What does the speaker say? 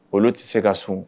Olu tɛ se ka sun